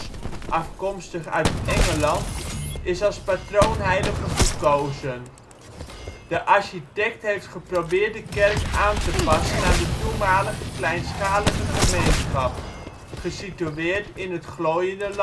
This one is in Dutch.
afkomstig uit Engeland, is als patroonheilige gekozen. De architect heeft geprobeerd de kerk aan te passen aan de toenmalige kleinschalige gemeenschap, gesitueerd in het glooiende